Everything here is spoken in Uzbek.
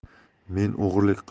men o'g'irlik qilayotganim